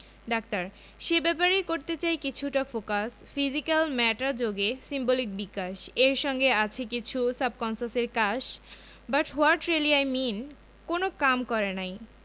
doctor সে ব্যাপারেই করতে চাই কিছুটা ফোকাস ফিজিক্যাল মেটা যোগে সিম্বলিক বিকাশ এর সঙ্গে আছে কিছু সাবকন্সাসের কাশ but what really I mean কোন কাম করে নাই